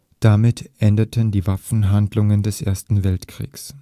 Damit endeten die Kampfhandlungen des Ersten Weltkrieges